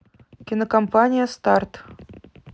кинокомпания старт